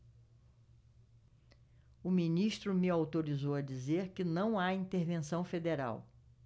o ministro me autorizou a dizer que não há intervenção federal